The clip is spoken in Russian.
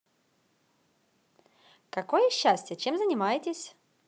какое счастье чем занимаетесь